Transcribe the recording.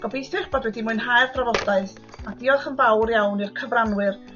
Gobeithio eich bod wedi mwynhau'r drafodaeth a diolch yn fawr iawn i'r cyfranwyr